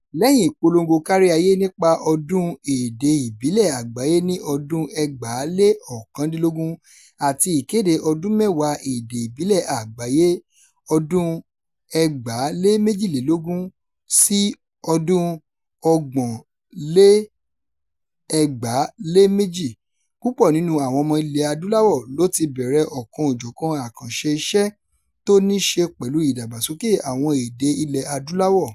Lẹ́yìn ìpolongo kárí ayé nípa Ọdún Èdè Ìbílẹ̀ Àgbáyé ní ọdún 2019 àti ìkéde Ọdún mẹ́wàá Èdè Ìbílẹ̀ Àgbáyé 2022-2032, púpọ̀ nínú àwọn ọmọ Ilẹ̀-Adúláwọ̀ ló ti bẹ̀rẹ̀ ọ̀kan-ò-jọ̀kan àkànṣe iṣẹ́ tó ní ṣe pẹ̀lú ìdàgbàsókè àwọn èdè Ilẹ̀-Adúláwọ̀.